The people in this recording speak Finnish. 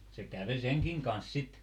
se kävi senkin kanssa sitten